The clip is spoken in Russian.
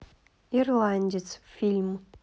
ирландец фильм